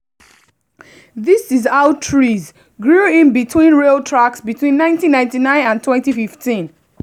This is how trees grew in-between rail tracks between 1999 and 2015...